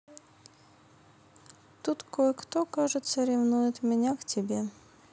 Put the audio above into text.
тут кое кто кажется ревнует меня к тебе